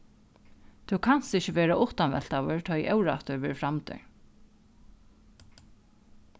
tú kanst ikki vera uttanveltaður tá ið órættur verður framdur